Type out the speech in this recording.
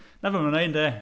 'Na be maen nhw'n wneud ynde.